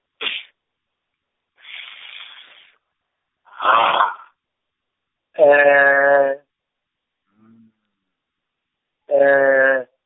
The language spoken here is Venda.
T, S, H, E, M, E.